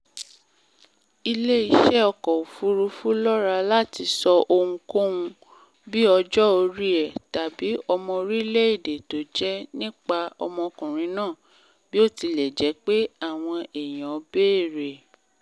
Ilé-iṣẹ́ ọkọ̀-òfúrufú lọ́ra láti sọ ohunkóhun, bíi ọjọ-orí ẹ̀ tàbí ọmọ orílẹ̀-èdè tó jẹ́, nípa ọmọkùnrin náà bí ó tilẹ̀ jẹ́ pé àwọn èèyàn bèrè.